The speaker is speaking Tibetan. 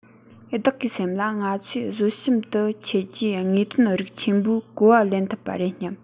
བདག གིས སེམས ལ ང ཚོས གཟོད གཤམ ཏུ འཆད རྒྱུའི དངོས དོན རིགས ཆེན པོའི གོ བ ལེན ཐུབ པ རེད སྙམ